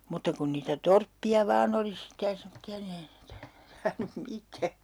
mutta kun niitä torppia vain oli sitten ja semmoisia niin ei ne saanut mitään